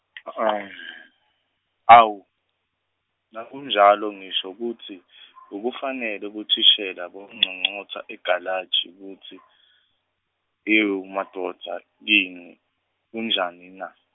awu nakunjalo ngisho kutsi, bekufanele bothishela bayonconcotsa egalaji kutsi, ewumadvodza kani kunjanina.